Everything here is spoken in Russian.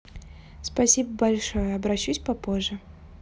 спасибо большое обращусь попозже